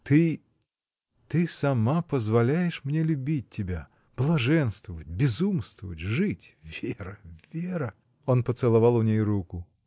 — Ты. ты сама позволяешь мне любить тебя — блаженствовать, безумствовать, жить. Вера, Вера! Он поцеловал у ней руку.